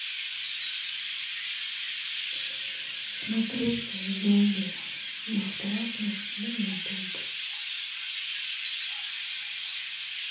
смотреть зомби бесплатно на ютуб